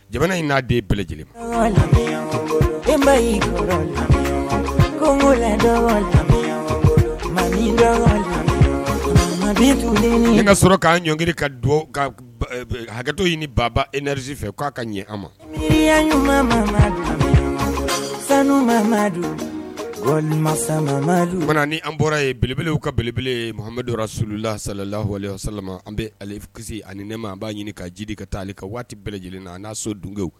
Jamana in n'a den bɛɛlɛ lajɛlen e ka sɔrɔ k'a ɲɔng ka don hakɛ ɲini baba ez fɛ k'a ka ɲɛ an ma ɲuman sanu wali ni an bɔra yeelew ka belebelehamadu sulula sala sala an bɛ kisi ani ne ma an b'a ɲini ka jiridi ka taa ale ka waati bɛɛ lajɛlen na a n'a so dunke